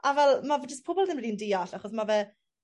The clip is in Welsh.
A fel ma' fe jys pobol ddim rili'n deall achos ma' fe